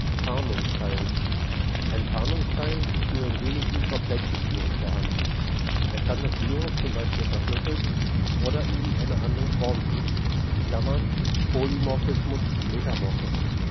Tarnungsteil: Ein Tarnungsteil ist nur in wenigen, komplexen Viren vorhanden. Er kann das Virus zum Beispiel verschlüsseln oder ihm eine andere Form geben (Polymorphismus, Metamorphismus